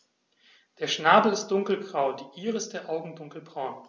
Der Schnabel ist dunkelgrau, die Iris der Augen dunkelbraun.